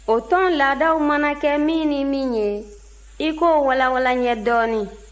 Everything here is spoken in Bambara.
o tɔnw laadaw mana kɛ min ni min ye i k'o walanwalan n ye dɔɔnin